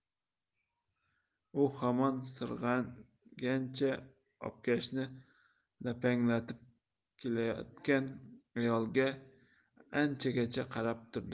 u hamon sirg'angancha obkashini lapanglatib ketayotgan ayolga anchagacha qarab turdi